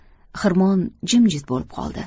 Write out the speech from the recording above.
xirmon jimjit bo'lib qoldi